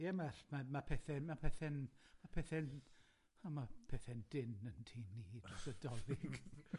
Ie, ma' ll- ma' ma' pethe, ma' pethe'n, ma' pethe'n, ma' pethe'n dyn yn tŷ ni dros y Dolig.